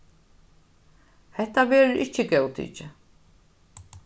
hetta verður ikki góðtikið